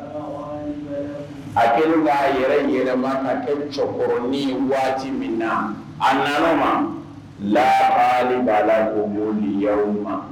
A kɛlen' aa yɛrɛ n yɛrɛ ka kɛ cɛkɔrɔbain waati min na a nana ma la b'a lako boli ya ma